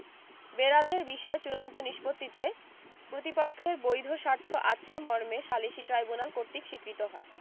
বেরাধের বিষয় চূড়ান্ত নিষ্পত্তিতে প্রতিপক্ষের বৈধ স্বার্থ আছে মর্মে সালিসী ট্রাইব্যুনাল কর্তৃক স্বীকৃত হয়